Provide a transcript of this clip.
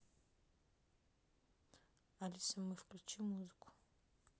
алиса мы включи музыку